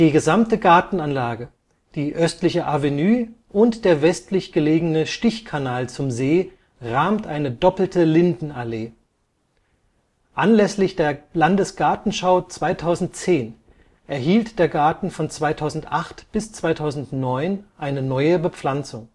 gesamte Gartenanlage, die östliche Avenue und der westlich gelegene Stichkanal zum See rahmt eine doppelte Lindenallee. Anlässlich der Landesgartenschau 2010 erhielt der Garten von 2008 bis 2009 eine neue Bepflanzung